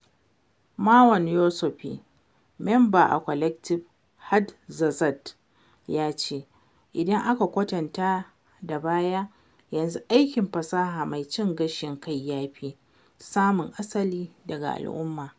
Marouane Youssoufi, mamba a Collectif Hardzazat ya ce, ''Idan aka kwatanta da baya, yanzu aikin fasaha mai cin gashi kai ya fi samun asali daga al'umma''.